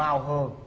màu hường